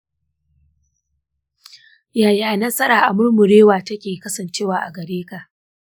yaya nasara a murmurewa take kasancewa a gareka?